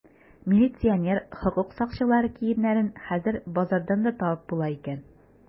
Милиционер, хокук сакчылары киемнәрен хәзер базардан да табып була икән.